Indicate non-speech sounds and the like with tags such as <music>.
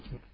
<hesitation>